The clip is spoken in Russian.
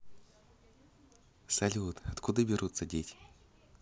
салют откуда берутся дети